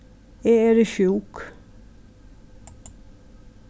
eg eri sjúk